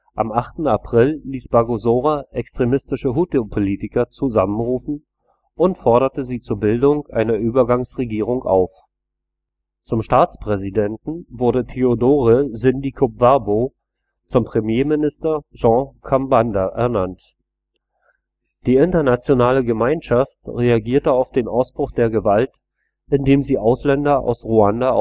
Am 8. April ließ Bagosora extremistische Hutu-Politiker zusammenrufen und forderte sie zur Bildung einer Übergangsregierung auf. Zum Staatspräsidenten wurde Théodore Sindikubwabo, zum Premierminister Jean Kambanda ernannt. Die internationale Gemeinschaft reagierte auf den Ausbruch der Gewalt, indem sie Ausländer aus Ruanda